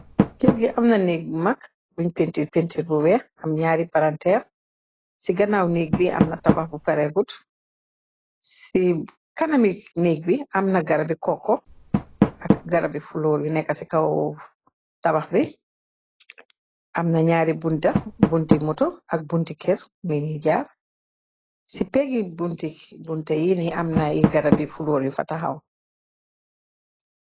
ker gi am na néegi mag buñ pintir pintir bu wee am ñaari paranteer ci ganaaw nég bi am na tabax bu pereegut ci kanami négg bi amna garabi kokko ak garabi fuloor yu nekk ci kawawu tabax bi amna ñaari b bunti muto ak buntikir mini jaar ci pegi bunti bunte yi ni amnay garabi fuloor yu fa taxaw